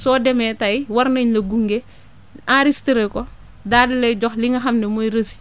soo demee tey war nañ la gunge enregistré ko daal di lay jox li nga xam ne mooy reçu